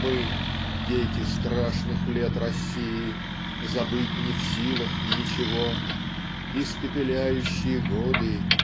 Мы - дети страшных лет России - Забыть не в силах ничего. Испепеляющие годы!